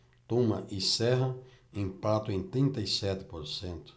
tuma e serra empatam em trinta e sete por cento